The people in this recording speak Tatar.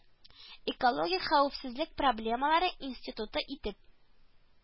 Экологик хәвефсезлек проблемалары институты итеп